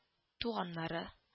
Туганнары